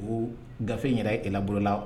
Ko gafe in yɛrɛ ye kɛlɛbolola